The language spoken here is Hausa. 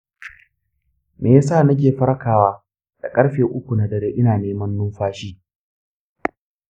me yake sa nake farkawa da ƙarfe uku na dare ina neman numfashi?